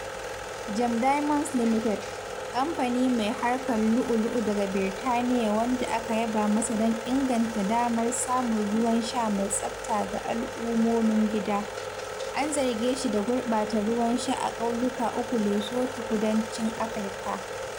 Gem Diamonds Limited, kamfani mai hakar lu'ulu'u daga Birtaniya wanda aka yaba masa don inganta damar samun ruwan sha mai tsafta ga al’ummomin gida, an zarge shi da gurbata ruwan sha a ƙauyuka uku a Lesotho, kudancin Afirka.